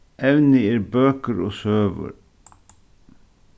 evnið er bøkur og søgur